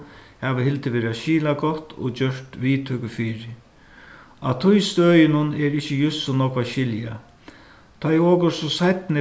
hava hildið vera skilagott og gjørt viðtøkur fyri á tí støðinum er ikki júst so nógv at skilja tá ið okur so seinni